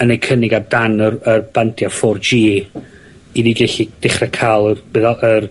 yn ei cynnig ar dan yr y bandia four gee i ni gellu dechre ca'l yr meddal- yr